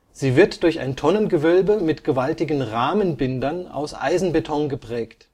Sie wird durch ein Tonnengewölbe mit gewaltigen Rahmenbindern aus Eisenbeton geprägt